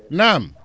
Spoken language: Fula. naam